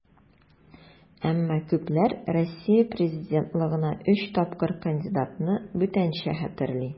Әмма күпләр Россия президентлыгына өч тапкыр кандидатны бүтәнчә хәтерли.